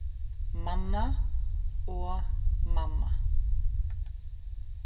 manna og mamma